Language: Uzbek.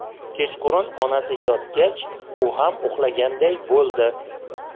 kechqurun onasi yotgach u ham uxlaganday bo'ldi